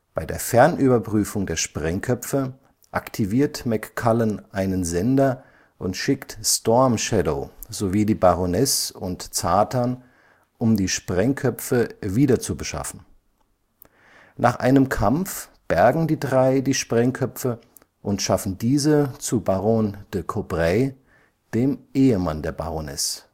Bei der Fernüberprüfung der Sprengköpfe aktiviert McCullen einen Sender und schickt Storm Shadow sowie die Baroness und Zartan, um die Sprengköpfe wiederzubeschaffen. Nach einem Kampf bergen die drei die Sprengköpfe und schaffen diese zu Baron DeCobray, dem Ehemann der Baroness